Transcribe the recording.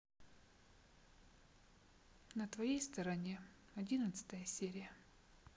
на твоей стороне одиннадцатая серия